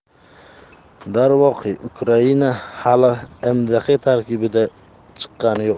darvoqe ukraina hali mdh tarkibidan chiqqani yo'q